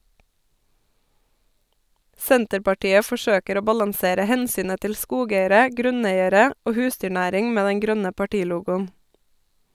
Senterpartiet forsøker å balansere hensynet til skogeiere, grunneiere og husdyrnæring med den grønne partilogoen.